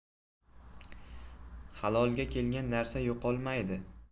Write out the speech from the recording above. halolga kelgan narsa yo'qolmaydi